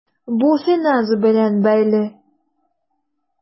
Бу финанс белән бәйле.